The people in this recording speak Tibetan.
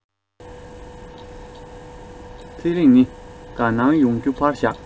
ཚེ རིང ནི དགའ སྣང ཡོང རྒྱུ ཕར བཞག